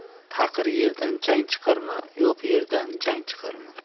taqir yerdan chang chiqarma yo'q yerdan jang chiqarma